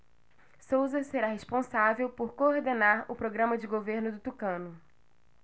souza será responsável por coordenar o programa de governo do tucano